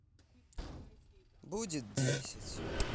будет десять